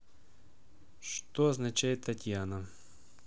что означает татьяна